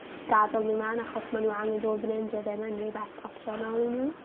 gadel n'w mewn achos ma' n'w angen do' fyn 'yn dyw e ddim rwbeth opsiynol i n'w.